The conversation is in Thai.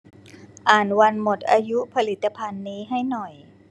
อ่านวันหมดอายุผลิตภัณฑ์นี้ให้หน่อย